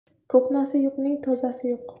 ko'hnasi yo'qning tozasi yo'q